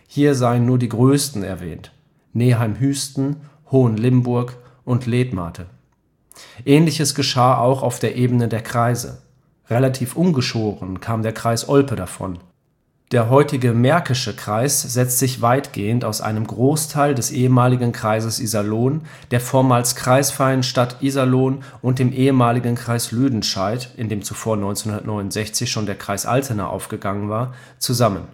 Hier seien nur die größten erwähnt: Neheim-Hüsten, Hohenlimburg und Letmathe. Ähnliches geschah auch auf der Ebene der Kreise. Relativ ungeschoren kam der Kreis Olpe davon. Der heutige Märkische Kreis setzt sich weitgehend aus einem Großteil des ehemaligen Kreises Iserlohn, der vormals kreisfreien Stadt Iserlohn und dem ehemaligen Kreis Lüdenscheid, in dem zuvor 1969 schon der Kreis Altena aufgegangen war, zusammen